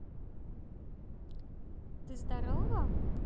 ты здорова